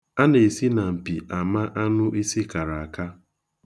A na-esi na mpi ama anụ isi kara aka.